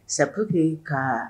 C'est pour que kaa